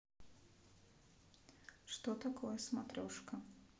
что такое смотрешка